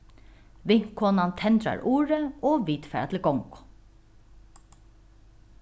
vinkonan tendrar urið og vit fara til gongu